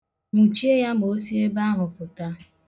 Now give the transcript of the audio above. Nwuchie ya ma o si ebe ahụ pụta.